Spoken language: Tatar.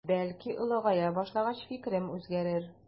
Бәлки олыгая башлагач фикерем үзгәрер.